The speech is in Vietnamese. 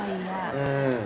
em